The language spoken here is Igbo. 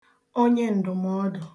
onyeǹdụmọdụ̀